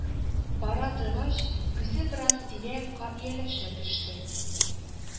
Бара торгач, күзе бераз тирә-якка ияләшә төште